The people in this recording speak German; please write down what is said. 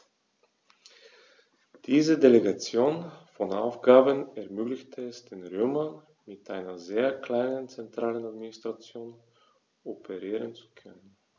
Diese Delegation von Aufgaben ermöglichte es den Römern, mit einer sehr kleinen zentralen Administration operieren zu können.